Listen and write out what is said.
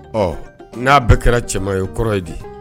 Ɔ n'a bɛɛ kɛra cɛman ye o kɔrɔ ye di